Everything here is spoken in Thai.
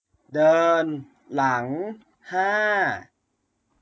เดินหลังห้า